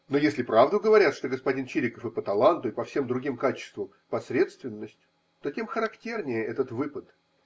Но если правду говорят, что господин Чириков и по таланту, и по всем другим качествам посредственность, то тем характернее этот выпад.